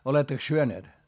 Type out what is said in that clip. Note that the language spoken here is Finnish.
olettekos syöneet